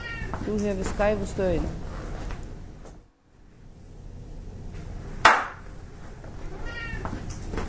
tú hevur skeivu støðina